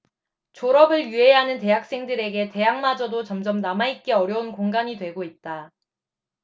졸업을 유예하는 대학생들에게 대학마저도 점점 남아 있기 어려운 공간이 되고 있다